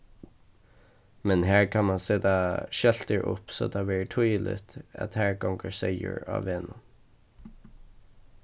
men har kann mann seta skeltir upp so tað verður týðiligt at har gongur seyður á vegnum